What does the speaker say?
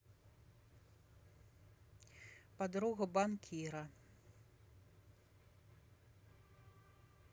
подруга банкира